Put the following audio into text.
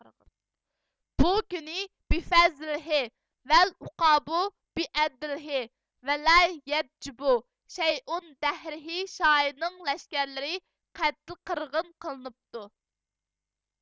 بۇ كۈنى بىفەزلىھې ۋەل ئۇقابۇ بىئەدلىھې ۋەلە يەدجىبۇ شەيئۇن دەھرىي شاھنىڭ لەشكەرلىرى قەتل قىرغىن قىلىنىپتۇ